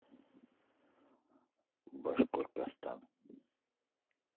башкортостан